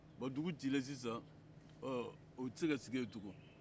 bon dugu cilen sisan ɔ u tɛ se ka sigi yen tugun